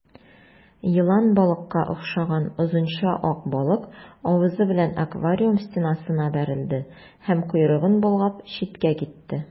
Елан балыкка охшаган озынча ак балык авызы белән аквариум стенасына бәрелде һәм, койрыгын болгап, читкә китте.